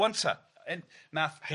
Ŵan ta, yn nath yym...